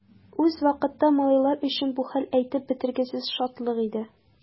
Ул вакытта малайлар өчен бу хәл әйтеп бетергесез шатлык иде.